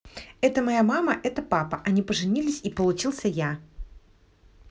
это моя мама это папа они поженились и получился я